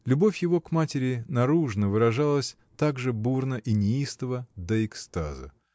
Любовь его к матери наружно выражалась также бурно и неистово, до экстаза.